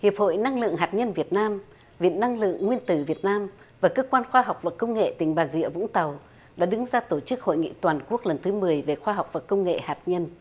hiệp hội năng lượng hạt nhân việt nam viện năng lượng nguyên tử việt nam và cơ quan khoa học và công nghệ tỉnh bà rịa vũng tàu đã đứng ra tổ chức hội nghị toàn quốc lần thứ mười về khoa học và công nghệ hạt nhân